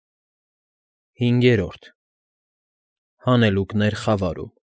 ՀԻՆԳԵՐՐՈՐԴ ՀԱՆԵԼՈՒԿՆԵՐ ԽԱՎԱՐՈՒՄ։